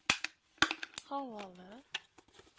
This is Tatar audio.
Һавалы